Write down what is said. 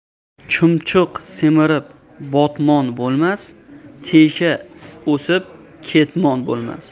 chumchuq semirib botmon bo'lmas tesha o'sib ketmon bo'lmas